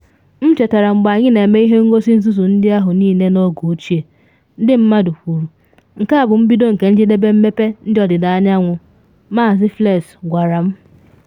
“M chetara mgbe anyị na eme ihe ngosi nzuzu ndị ahụ niile n’oge ochie, ndị mmadụ kwuru, “Nke a bụ mbido nke njedebe mmepe ndị ọdịda anyanwụ,”” Maazị Fleiss gwara m.